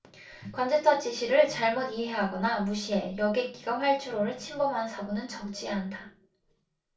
관제탑 지시를 잘못 이해하거나 무시해 여객기가 활주로를 침범하는 사고는 적지 않다